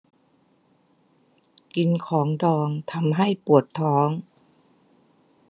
กินของดองทำให้ปวดท้อง